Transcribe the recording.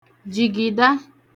jìgìda